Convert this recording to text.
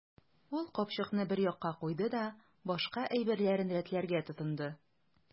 Ул капчыкны бер якка куйды да башка әйберләрен рәтләргә тотынды.